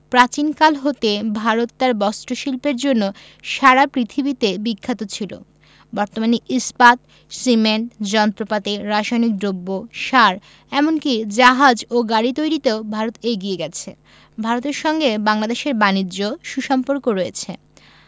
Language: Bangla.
প্রাচীনকাল হতে ভারত তার বস্ত্রশিল্পের জন্য সারা পৃথিবীতে বিখ্যাত ছিল বর্তমানে ইস্পাত সিমেন্ট যন্ত্রপাতি রাসায়নিক দ্রব্য সার এমন কি জাহাজ ও গাড়ি তৈরিতেও ভারত এগিয়ে গেছে ভারতের সঙ্গে বাংলাদেশের বানিজ্য সু সম্পর্ক রয়েছে